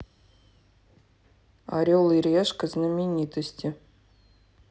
орел и решка знаменитости